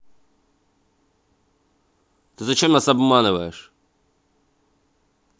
ты зачем нас обманываешь